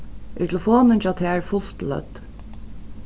er telefonin hjá tær fult lødd